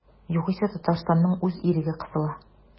Югыйсә Татарстанның үз иреге кысыла.